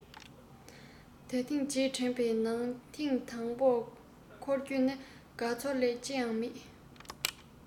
དེ མཐོང རྗེས དྲན པའི ནང ཐེངས དང པོར འཁོར རྒྱུ ནི དགའ ཚོར ལས ཅི ཡང མེད